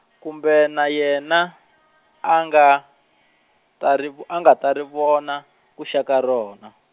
kumbe na yena , a nga, ta riv- a nga ta ri vona, ku xa ka rona.